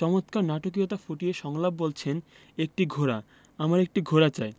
চমৎকার নাটকীয়তা ফুটিয়ে সংলাপ বলছেন একটি ঘোড়া আমার একটি ঘোড়া চাই